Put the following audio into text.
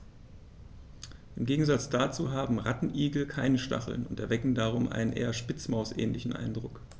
Im Gegensatz dazu haben Rattenigel keine Stacheln und erwecken darum einen eher Spitzmaus-ähnlichen Eindruck.